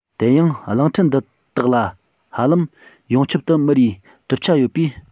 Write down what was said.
དེ ཡང གླིང ཕྲན འདི དག ལ ཧ ལམ ཡོངས ཁྱབ ཏུ མེ རིའི གྲུབ ཆ ཡོད པས